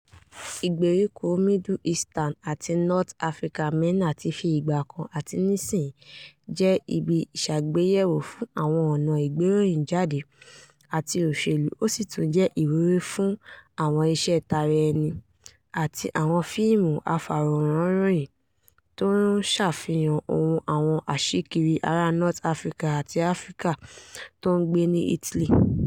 Ìgbèríko Middle Eastern àti North Africa (MENA) ti fi ìgbà kan (àti nísìnyí) jẹ́ ibi ìṣàgbéyẹ̀wo fún àwọn ọ̀nà ìgberòyìn jáde àti òṣèlú, ó sì tún ti jẹ́ ìwúrí fún àwọn iṣẹ́ tara ẹni, àti àwọn fíìmù afàwòránròyìn tó ń safihan ohùn àwọn aṣikiri ará North Africa àti Áfíríkà tó ń gbé ní Italy.